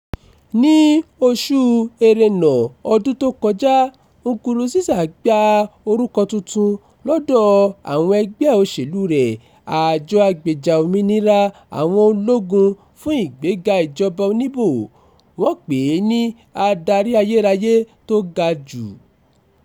Ní oṣù Ẹrẹ́nà ọdún tó kọjá, Nkurunziza gba orúkọ tuntun lọ́dọ̀ àwọn ẹgbẹ́ òṣèlúu rẹ̀, Àjọ Agbèjà Òmìnira Àwọn Ológun – Fún Ìgbéga Ìjọba Oníbò, wọ́n pè é ní “adarí ayérayé tó ga jù”.